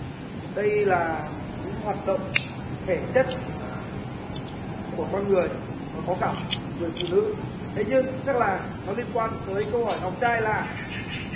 đây là những hoạt động thể chất của con người và có cả người phụ nữ thế nhưng chắc là nó liên quan tới câu hỏi ngọc trai là